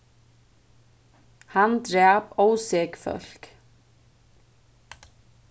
hann drap ósek fólk